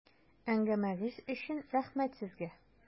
Әңгәмәгез өчен рәхмәт сезгә!